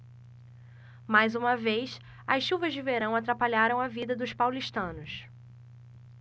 mais uma vez as chuvas de verão atrapalharam a vida dos paulistanos